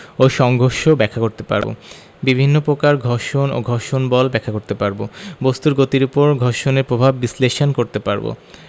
ও সংঘর্ষ ব্যাখ্যা করতে পারব বিভিন্ন প্রকার ঘর্ষণ এবং ঘর্ষণ বল ব্যাখ্যা করতে পারব বস্তুর গতির উপর ঘর্ষণের প্রভাব বিশ্লেষণ করতে পারব